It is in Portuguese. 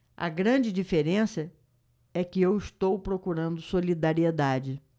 a grande diferença é que eu estou procurando solidariedade